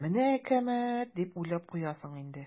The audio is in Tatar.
"менә әкәмәт" дип уйлап куясың инде.